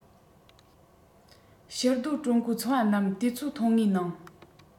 ཕྱིར སྡོད ཀྲུང གོའི ཚོང པ རྣམས དུས ཚོད ཐུང ངུའི ནང